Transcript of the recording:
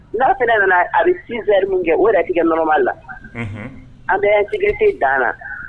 N'a fana nana a bɛ 6 heures min kɛ o yɛrɛ tɛ kɛ normal la. Unhun. An bɛ insécurité dan na.